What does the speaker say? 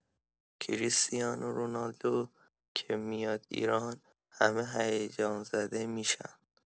کریستیانو رونالدو که میاد ایران، همه هیجان‌زده می‌شن.